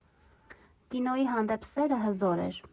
Կինոյի հանդեպ սերը հզոր էր։